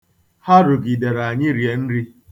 Ha rugidere anyị rie nri.